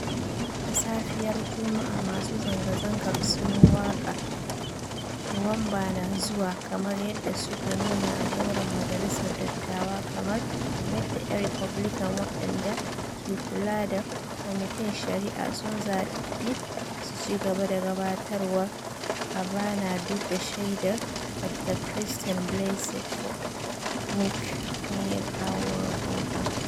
A safiyar Jumma'a, masu zanga-zangar sun yi waka "Nuwamba na zuwa!" kamar yadda suka nuna a zauren majalisar dattawa kamar yadda 'yan Republican waɗanda ke kula da kwamitin Shari'a sun zabi su cigaba da gabatarwar Kavanaugh duk da shaidar Dr. Christine Blasey Ford, Mic ne ya kawo rohoton.